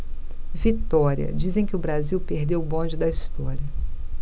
vitória dizem que o brasil perdeu o bonde da história